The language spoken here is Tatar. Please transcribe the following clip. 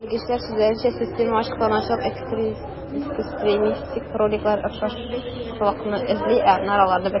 Белгечләр сүзләренчә, система ачыктан-ачык экстремистик роликлар белән охшашлыкны эзли, ә аннары аларны бетерә.